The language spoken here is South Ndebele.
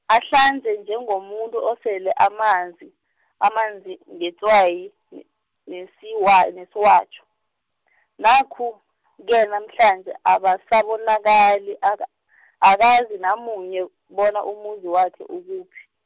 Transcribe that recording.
ahlanze njengomuntu osele amanzi, amanzi ngetswayi ne- nesiwa- nesiwatjho , nakhu-ke namhlanje abasabonakali, aka- akazi namunye bona umuzi wakhe ukuphi.